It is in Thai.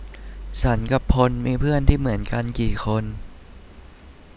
ฉันกับพลมีเพื่อนที่เหมือนกันกี่คน